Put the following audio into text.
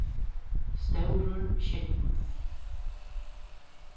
stórur sjógvur